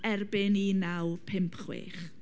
erbyn un naw pum chwech.